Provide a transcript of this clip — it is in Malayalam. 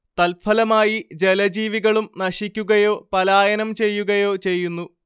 തത്ഫലമായി ജലജീവികളും നശിക്കുകയോ പലായനം ചെയ്യുകയോ ചെയ്യുന്നു